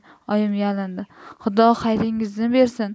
oyim yalindi xudo xayringizni bersin